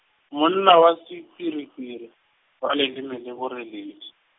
monna wa sehwirihwiri wa leleme le boreledi.